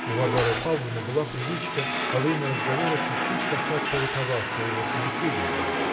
У Варвары Павловны была привычка во время разговора чуть-чуть касаться рукава своего собеседника